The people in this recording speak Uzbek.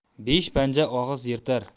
besh panja og'iz yirtar